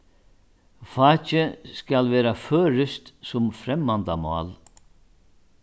fakið skal vera føroyskt sum fremmandamál